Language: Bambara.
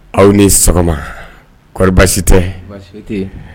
Aw ni sɔgɔma. kɔri baasi tɛ? Baasi foyi te yen.